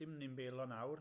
Dim ni'm belo nawr.